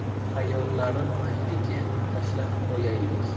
xayollari mayliga tashlab qo'yaylik